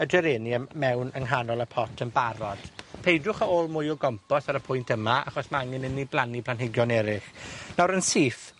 y Geranium mewn yng nghanol y pot yn barod. Peidwch â ôl mwy o gompost ar y pwynt yma, achos ma' angen i ni blannu planhigion eryll. Nawr yn syth